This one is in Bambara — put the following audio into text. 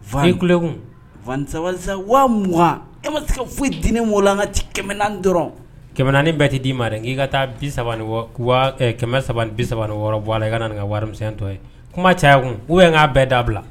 Fa ku kunsa wa m kɛmɛ foyi diin la an ka ci kɛmɛ dɔrɔn kɛmɛani bɛɛ tɛ di'i ma n k'i ka taa bi saba kɛmɛ bi saba wɔɔrɔ bɔ la i ka ka waritɔ ye kuma caya kun u bɛ n ka bɛɛ dabila